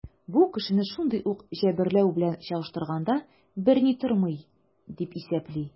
Бу кешене шундый ук җәберләү белән чагыштырганда берни тормый, дип исәпли.